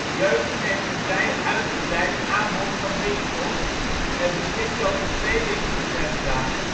Leusden heeft een vrij uitgebreid aanbod van winkels, het beschikt over twee Winkelcentra